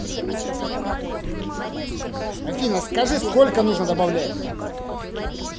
афина скажи сколько нужно добавлять